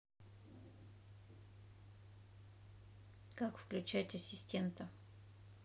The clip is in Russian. как включать ассистента